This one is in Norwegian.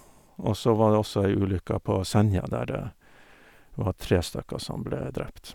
Og så var det også ei ulykke på Senja, der det var tre stykker som ble drept.